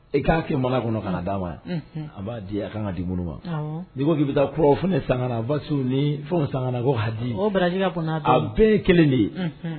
I k'a kɛ mana kɔnɔ ka d' ma a b'a di a ka kan ka di minnu ma ni k'i bɛ taa ne san a ba ni san kana ha ka bɛɛ kelen de ye